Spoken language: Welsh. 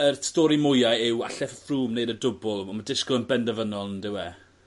yr stori mwya yw alle Froome neud y dwbwl? Wel ma'n disgwl yn bendefynol on'd yw e?